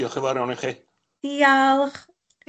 Diolch yn fawr iawn i chi. Diolch.